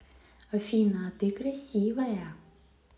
афина а ты красивая